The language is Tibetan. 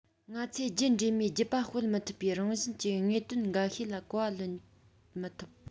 ང ཚོས རྒྱུད འདྲེས མའི རྒྱུད པ སྤེལ མི ཐུབ པའི རང བཞིན གྱི དངོས དོན འགའ ཤས ལ གོ བ ལེན མི ཐུབ